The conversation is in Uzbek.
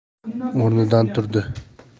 o'rnidan turdi